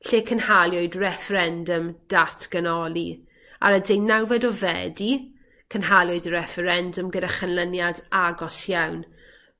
lle cynhaliwyd referendum datganoli ar y deunawfed o Fedi cynhaliwyd y referendum gyda chynlyniad agos iawn